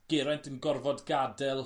Geraint yn gorfod gadel